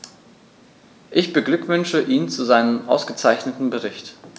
Ich beglückwünsche ihn zu seinem ausgezeichneten Bericht.